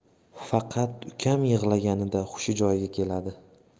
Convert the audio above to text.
faqat ukam yig'laganida hushi joyiga keladi